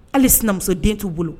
Hali sinamuso den t'uw bolo.